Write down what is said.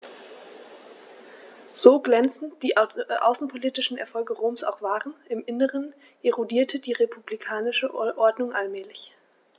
So glänzend die außenpolitischen Erfolge Roms auch waren: Im Inneren erodierte die republikanische Ordnung allmählich.